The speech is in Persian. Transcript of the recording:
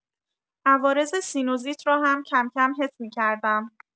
عوارض سینوزیت را هم کم‌کم حس می‌کردم.